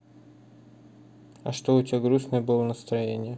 а что у тебя грустное было настроение